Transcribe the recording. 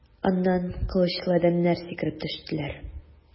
Аннан кылычлы адәмнәр сикереп төштеләр.